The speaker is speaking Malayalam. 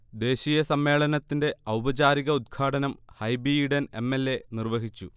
ദേശീയ സമ്മേളനത്തിന്റെ ഔപചാരിക ഉത്ഘാടനം Hibi Eden M. L. A. നിർവഹിച്ചു